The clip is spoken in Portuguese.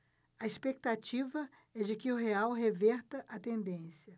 a expectativa é de que o real reverta a tendência